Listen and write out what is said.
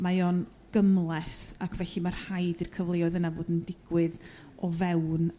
mae o'n gymhleth ac felly ma' rhaid i'r cyfleoedd yna fod yn digwydd o fewn